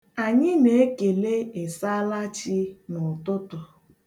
Anyị na-ekele, " ịsaalachi" n'ụtụtụ.